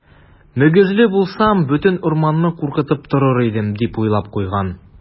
Мөгезле булсам, бөтен урманны куркытып торыр идем, - дип уйлап куйган.